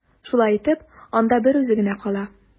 Шулай итеп, анда берүзе генә кала.